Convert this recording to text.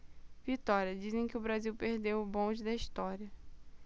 vitória dizem que o brasil perdeu o bonde da história